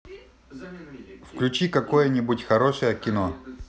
включи какое нибудь хорошее кино